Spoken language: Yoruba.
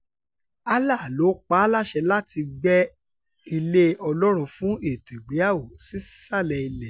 Allah l'ó pa á láṣẹ láti gbẹ́ ilé Ọlọ́run fún ètò ìgbéyàwó sísàlẹ̀ ilẹ̀.